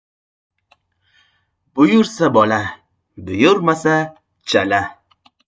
buyursa bola buyurmasa chala